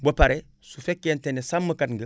ba pare su fekkente ne sàmmkat nga